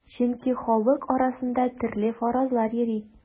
Чөнки халык арасында төрле фаразлар йөри.